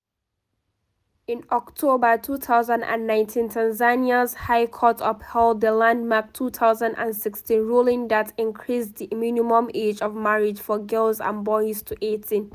In October 2019, Tanzania's high court upheld the landmark 2016 ruling that increased the minimum age of marriage for girls and boys to 18.